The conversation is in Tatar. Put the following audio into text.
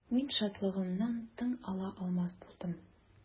Мин шатлыгымнан тын ала алмас булдым.